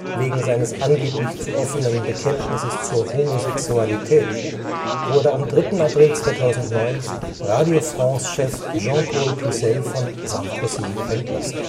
Wegen seines angeblich zu offenen Bekenntnisses zur Homosexualität wurde am 3. April 2009 Radio-France-Chef Jean-Paul Cluzel von Sarkozy entlassen